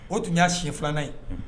O tun y'a siɲɛ 2 nan ye.